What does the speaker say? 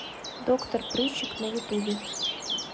доктор прыщик на ютубе